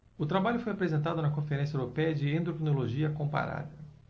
o trabalho foi apresentado na conferência européia de endocrinologia comparada